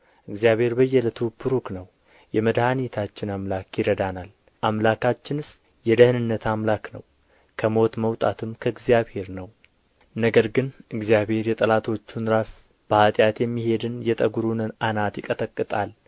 እግዚአብሔር በየዕለቱ ቡሩክ ነው የመድኃኒታችን አምላክ ይረዳናል አምላካችንስ የደኅንነት አምላክ ነው ከሞት መውጣትም ከእግዚአብሔር ነው ነገር ግን እግዚአብሔር የጠላቶቹን ራስ በኃጢአት የሚሄድንም የጠጕሩን አናት ይቀጠቅጣል